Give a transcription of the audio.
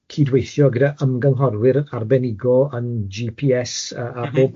cydweithio gyda ymgynghorwyr arbenigo yn Gee Pee Ess a bob math o bethe.